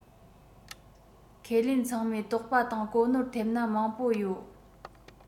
ཁས ལེན ཚང མས དོགས པ དང གོ ནོར ཐེབས ན མང པོ ཡོད